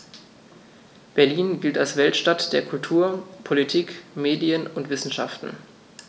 Berlin gilt als Weltstadt der Kultur, Politik, Medien und Wissenschaften.